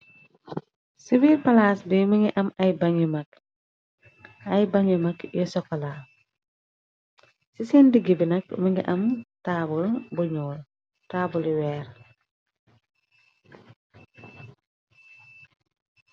Ci biir palaas bi mi ngi am a bani mag ay bañu mag yu sokola. Ci seen digg bi nag mi ngi am al bu ñuol taabuli weer.